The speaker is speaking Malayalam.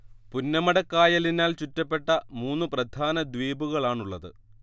പുന്നമടക്കായലിനാൽ ചുറ്റപ്പെട്ട മൂന്ന് പ്രധാന ദ്വീപുകളാണുള്ളത്